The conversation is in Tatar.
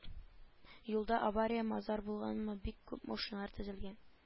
Юлда авария-мазар булганмы бик күп машиналар тезелгән